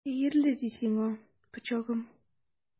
Хәерле ди сиңа, пычагым!